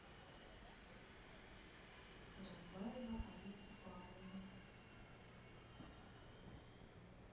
дамбаева алиса павловна